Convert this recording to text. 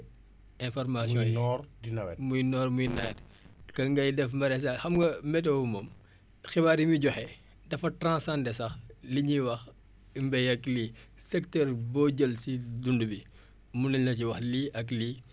muy noor muy nawet que ngay def maraichage xam nga météo moom xibaar yi muy joxe dafa transcender sax li ñuy wax mbéy ak lii secteur boo jël si dund bi mun nañ la si wax lii ak lii la koy jëriñ